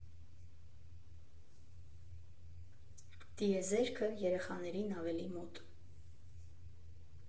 Տիեզերքը՝ երեխաներին ավելի մոտ։